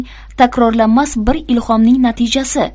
takrorlanmas bir ilhomning natijasi